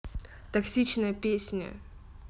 токсичная песня